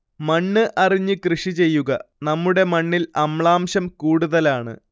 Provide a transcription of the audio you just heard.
മണ്ണ് അറിഞ്ഞു കൃഷി ചെയ്യുക 'നമ്മുടെ മണ്ണിൽ അമ്ലാംശം കൂടുതലാണ്'